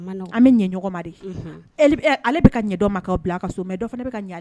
So